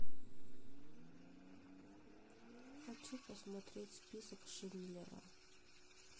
хочу посмотреть список шиндлера